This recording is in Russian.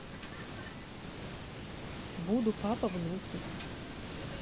буду папа внуки